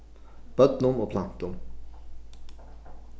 børnum og plantum